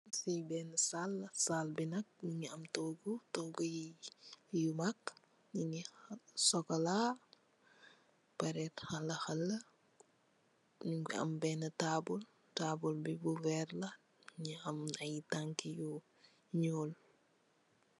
Fii behni saal la, saal bii nak mungy am tohgu, tohgu yii yu mak, njungy am chocolat paareh takha lal, njungy am bena taabul, taabul bii bu vert la nju am aiiy tankii yu njull.